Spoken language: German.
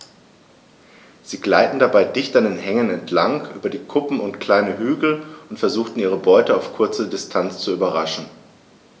Sie gleiten dabei dicht an Hängen entlang, über Kuppen und kleine Hügel und versuchen ihre Beute auf kurze Distanz zu überraschen.